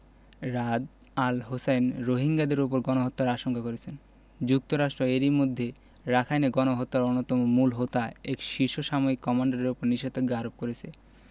Ra'ad al Hussein রোহিঙ্গাদের ওপর গণহত্যার আশঙ্কা করেছেন যুক্তরাষ্ট্র এরই মধ্যে রাখাইনে গণহত্যার অন্যতম মূল হোতা এক শীর্ষ সামরিক কমান্ডারের ওপর নিষেধাজ্ঞা আরোপ করেছে